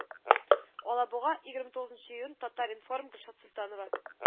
Алабуга, егерме тугызынчы июнь, Татар информ , Гөлшат Солтанова